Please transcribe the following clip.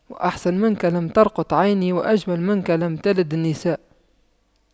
وأحسن منك لم تر قط عيني وأجمل منك لم تلد النساء